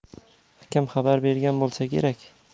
akam xabar bergan bo'lsa kerak